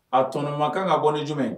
A tɔnɔ ma kan ka bɔ ni jumɛn?